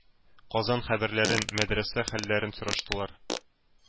Казан хәбәрләрен, мәдрәсә хәлләрен сораштылар.